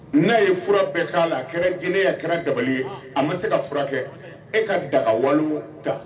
N'a ye fura bɛɛ k'a la, a kɛra jinɛ o, a kɛra dabali ye, a ma se ka furakɛ, e ka daga walon ta